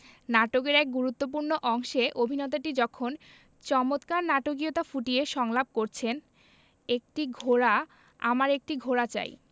নাটকের এক গুরুত্তপূ্র্ণ অংশে অভিনেতাটি যখন চমৎকার নাটকীয়তা ফুটিয়ে সংলাপ করছেন একটি ঘোড়া আমার একটি ঘোড়া চাই